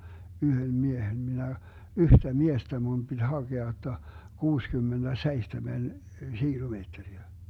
yhden miehen minä yhtä miestä minun piti hakea jotta kuusikymmentäseitsemän kilometriä